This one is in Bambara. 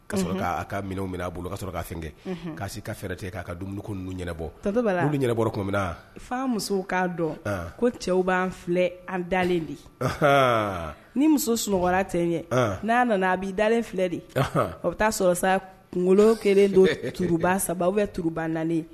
Ka sɔrɔ'a ka minɛ minɛ a bolo ka sɔrɔ k ka fɛn kɛ k' ka fɛɛrɛ ten k'a ka dumuni nu ɲɛnabɔ tatoba la bɛ ɲɛnabɔ tuma minna na fa muso k'a dɔn ko cɛw'an filɛ an dalen de ni muso sunɔgɔ tɛ ye n'a nana a b' dalen filɛ de o bɛ taaa sɔrɔ sa kunkolo kelen don kiba sababu bɛuruba na